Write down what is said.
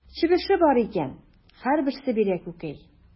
Чебеше бар икән, һәрберсе бирә күкәй.